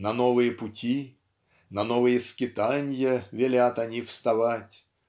На новые пути, на новые скитанья Велят они вставать